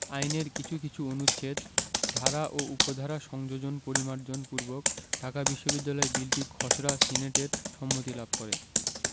আইনের কিছু কিছু অনুচ্ছেদ ধারা ও উপধারা সংশোধন পরিমার্জন পূর্বক ঢাকা বিশ্ববিদ্যালয় বিলটির খসড়া সিনেটের সম্মতি লাভ করে